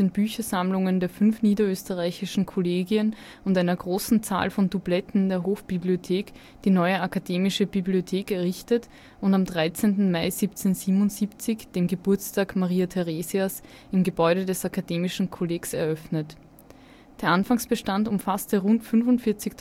Büchersammlungen der fünf niederösterreichischen Kollegien und einer großen Zahl von Dubletten der Hofbibliothek die neue Akademische Bibliothek errichtet und am 13. Mai 1777 (dem Geburtstag Maria Theresias) im Gebäude des Akademischen Kollegs eröffnet. Der Anfangsbestand umfasste rund 45.000